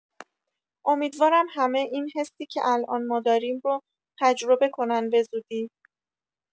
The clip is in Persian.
امیدوارم همه این حسی که الان ما داریم رو تجربه کنن بزودی